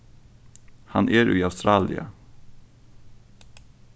hann er í australia